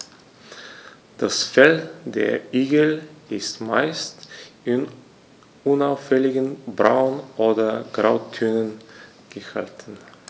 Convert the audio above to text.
Das Fell der Igel ist meist in unauffälligen Braun- oder Grautönen gehalten.